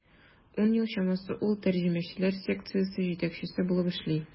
Ун ел чамасы ул тәрҗемәчеләр секциясе җитәкчесе булып эшли.